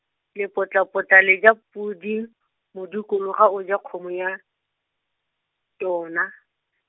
lepotlapotla le ja podi, modikologa o ja kgomo ya, tona.